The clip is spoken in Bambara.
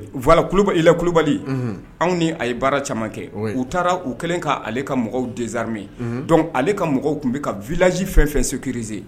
Vwala kulubali ila kulubali anw ni a ye baara caman kɛ u taara u kɛlen k' ale ka mɔgɔw dezrime dɔnku ale ka mɔgɔw tun bɛ ka vilasi fɛn fɛn so kirie